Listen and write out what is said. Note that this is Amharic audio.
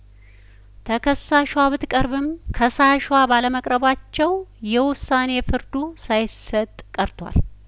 ተከሳሿ ብትቀርብም ከሳሿ ባለመቅረባቸው የውሳኔ ፍርዱ ሳይሰጥ ቀርቷል